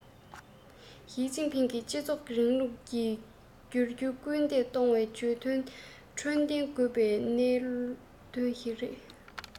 ཞིས ཅིན ཕིང གིས སྤྱི ཚོགས རིང ལུགས ཀྱི འགྱུར རྒྱུར སྐུལ འདེད གཏོང བའི བརྗོད དོན ཁྲོད ལྡན དགོས པའི ནང དོན ཞིག རེད